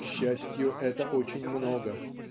К счастью, это очень много.